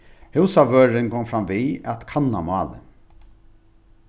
húsavørðurin kom framvið at kanna málið